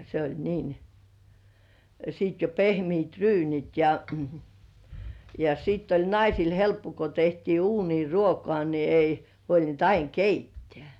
se oli niin sitten jo pehmeät' ryynit ja ja sitten oli naisilla helppo kun tehtiin uuniin ruokaa niin ei huolinut aina keittää